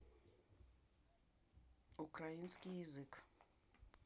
украинский язык